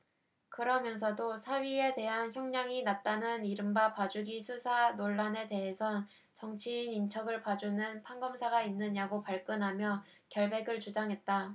그러면서도 사위에 대한 형량이 낮다는 이른바 봐주기 수사 논란에 대해선 정치인 인척을 봐주는 판검사가 있느냐고 발끈하며 결백을 주장했다